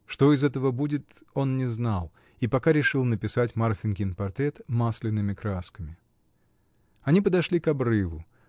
Что из этого будет — он не знал и пока решил написать Марфинькин портрет масляными красками. Они подошли к обрыву.